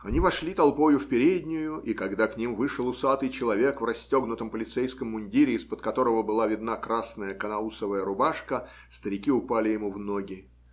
Они вошли толпою в переднюю, и когда к ним вышел усатый человек в расстегнутом полицейском мундире, из-под которого была видна красная канаусовая рубашка, старики упали ему в ноги.